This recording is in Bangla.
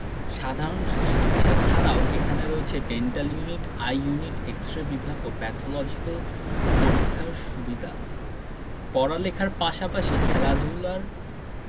সাধারণ চিকিৎসা ছাড়াও এখানে রয়েছে dental unit eye unit X ray বিভাগ প্যাথলজিক্যাল পরীক্ষার সুবিদা পড়ালেখার পাশাপাশি খেলাধুলার